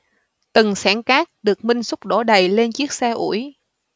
từng xẻng cát được minh xúc đổ đầy lên chiếc xe ủi